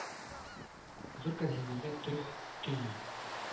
Зур кәрзиннәргә торф төйи